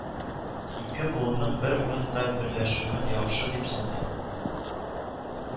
Ике буынның бер урында берләшүен яхшы дип саныйм